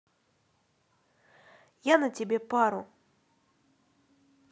я на тебе пару